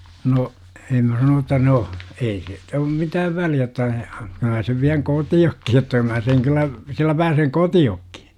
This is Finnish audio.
no en minä sanoin jotta no ei siitä ole mitään väliä jotta kyllä minä sen vien kotiinkin jotta mä sen kyllä sillä pääsen kotiinkin